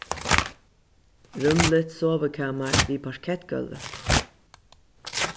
rúmligt sovikamar við parkettgólvi